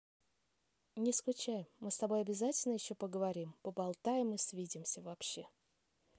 не скучай мы с тобой обязательно еще поговорим поболтаем и свидимся вообще